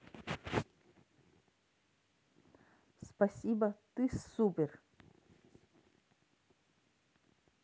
спасибо ты супер